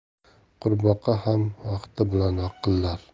qurbaqa ham vaqti bilan vaqillar